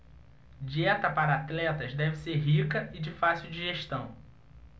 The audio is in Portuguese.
dieta para atletas deve ser rica e de fácil digestão